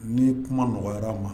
Nii kuma nɔgɔyala a ma